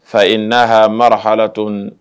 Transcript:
Fa n'ha marahalato